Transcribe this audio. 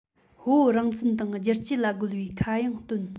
བོད རང བཙན དང བསྒྱུར བཅོས ལ རྒོལ བའི ཁ གཡང བཏོན